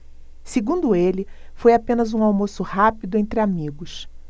segundo ele foi apenas um almoço rápido entre amigos